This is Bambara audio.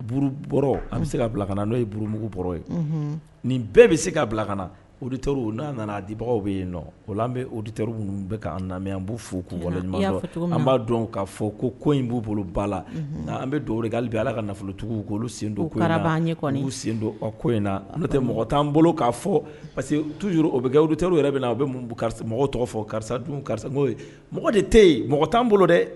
B an bɛ se' bila ka n' buruugu ye nin bɛɛ bɛ se' bila ka na o n'a nana dibagaw bɛ yen o an bɛ o minnu bɛ ka an b an b'a dɔn ka fɔ ko ko in b'u bolo ba la an bɛ dɔw de k'ale bɛ ala ka nafolotigiw k' sendobaa ɲɛ'u sendo ko in na mɔgɔ t' bolo kaa fɔ parce que tu o bɛ kɛ o taw yɛrɛ bɛ na u bɛ karisa tɔgɔ fɔ karisa dun karisa ye mɔgɔ de tɛ yen mɔgɔ t'an bolo dɛ